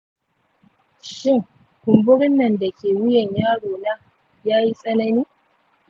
shin kumburin nan da ke wuyan yaro na yayi tsanani?